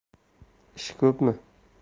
ish ko'pmi